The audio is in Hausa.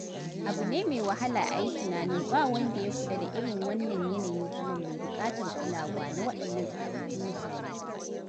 Abu ne mai wahala a yi tunanin ba wanda ya kula da irin wannan yanayin zama mai buƙatar kulawa na waɗannan tsofaffin mutane biyu.